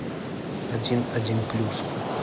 один один плюс